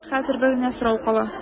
Хәзер бер генә сорау кала.